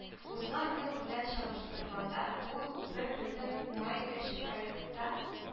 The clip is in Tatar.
Узган ел белән чагыштырганда, бу бер бөтен уңай өч проектта